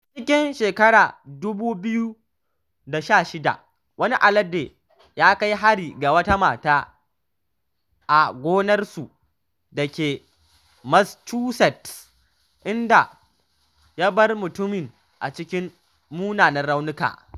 A cikin 2016, wani alade ya kai hari ga wata mata da mijinta a gonarsu da ke Massachusetts, inda ya bar mutumin a cikin munanan raunuka.